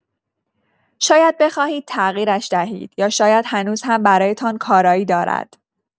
شاید بخواهید تغییرش دهید یا شاید هنوز هم برایتان کارایی دارد.